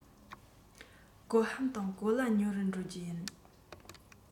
གོ ལྷམ དང གོ ལྭ ཉོ རུ འགྲོ རྒྱུ ཡིན